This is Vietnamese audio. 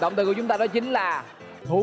động từ của chúng ta đó chính là thú